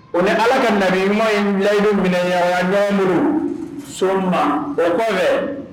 O ni ala ka na ɲuman in bilaɲini minɛyan yan ɲmuru sonba o kɔ fɛ